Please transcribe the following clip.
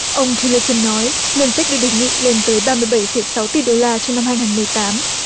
ông tu li sừn nói ngân sách được đề nghị lên tới ba mươi bảy phẩy sáu tỷ đô la trên năm hai ngàn mười tám